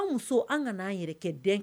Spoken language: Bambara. An muso an kana'an yɛrɛ kɛ den